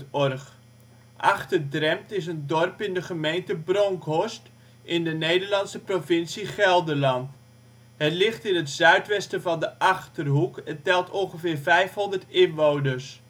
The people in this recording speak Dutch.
OL Achter-Drempt Plaats in Nederland Situering Provincie Gelderland Gemeente Bronckhorst Coördinaten 52° 1′ NB, 6° 11′ OL Algemeen Inwoners (2008) 320 Detailkaart Locatie in de gemeente Bronckhorst Portaal Nederland Achter-Drempt is een dorp in de gemeente Bronckhorst, in de Nederlandse provincie Gelderland. Het ligt in het zuidwesten van de Achterhoek en telt ongeveer 500 inwoners